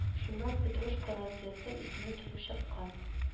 Шуннан петрушка разъезды исеме килеп чыккан